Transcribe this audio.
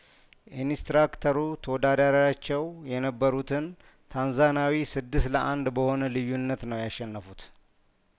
ኢንስትራክተሩ ተወዳዳሪያቸው የነበሩትን ታንዛኒያዊ ስድስት ለአንድ በሆነ ልዩነት ነበር ያሸነፉት